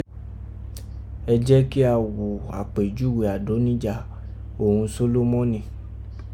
E je ki a ghò apejuwe Adonija òghun Solomoni